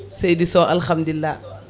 seydi Sow alhamdulillah